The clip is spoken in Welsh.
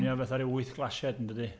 Swnio fatha rhyw wyth glasied yn dydy.